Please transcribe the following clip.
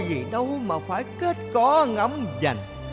gì đâu mà phải kết cỏ ngậm dành